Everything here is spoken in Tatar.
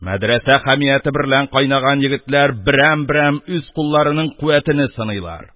Мәдрәсә хәмияте берлән кайнаган егетләр берәм-берәм үз кулларының куәтене сыныйлар